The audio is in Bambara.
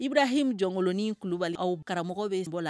I bɛ h jɔkoloni kulubali aw karamɔgɔ bɛ la